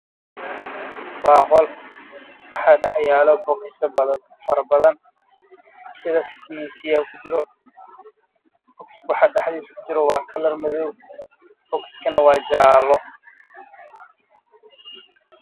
Kani waa guri dabaq ah oo uu dhismo ku socdo